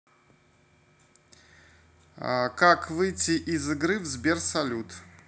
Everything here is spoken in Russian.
как выйти из игры в сбер салют